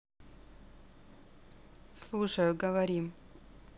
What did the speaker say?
слушаю говори